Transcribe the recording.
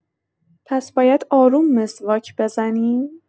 پس باید آروم مسواک بزنیم؟